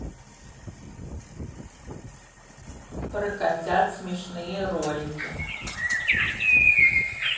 про котят смешные ролики